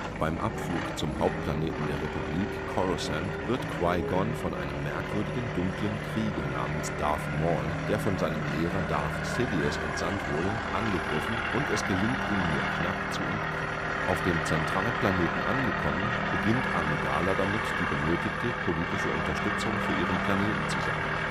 Beim Abflug zum Hauptplaneten der Republik, Coruscant, wird Qui-Gon von einem merkwürdigen dunklen Krieger namens Darth Maul, der von seinem Lehrer Darth Sidious entsandt wurde, angegriffen und es gelingt ihm nur knapp zu entkommen. Auf dem Zentralplaneten angekommen, beginnt Amidala damit, die benötigte politische Unterstützung für ihren Planeten zu sammeln